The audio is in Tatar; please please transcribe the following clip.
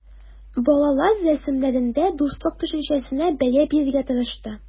Балалар рәсемнәрендә дуслык төшенчәсенә бәя бирергә тырышты.